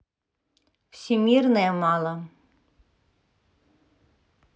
всемирное мало